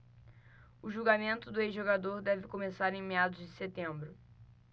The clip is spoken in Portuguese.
o julgamento do ex-jogador deve começar em meados de setembro